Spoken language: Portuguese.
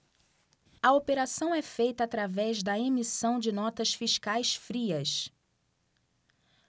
a operação é feita através da emissão de notas fiscais frias